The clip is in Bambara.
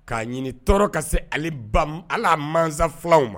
K'a ɲini tɔɔrɔ ka se ala masa filaw ma